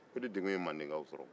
o de degun ye mandenkaw sɔrɔ